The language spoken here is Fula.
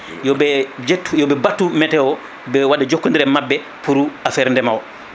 yoɓe ƴettu yoɓe ɓatto météo ɓe waɗa jokkodira e mabɓe pour affaire ndeema o